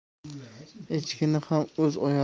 echkini ham o'z